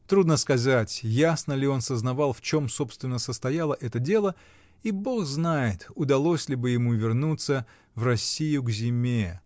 Трудно сказать, ясно ли он сознавал, в чем собственно состояло это дело, и бог знает, удалось ли бы ему вернуться в Россию к зиме